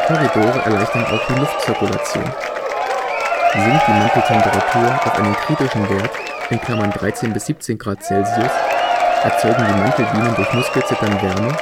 Korridore erleichtern auch die Luftzirkulation. Sinkt die Mantel-Temperatur auf einen kritischen Wert (13 bis 17 °C), erzeugen die Mantelbienen durch Muskelzittern Wärme,